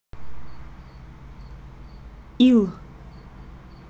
ил